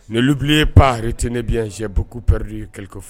Ne l'oubliez pas retenez bien j'ai beaucoup perdu quelques f